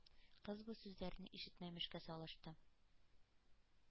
Кыз бу сүзләрне ишетмәмешкә салышты.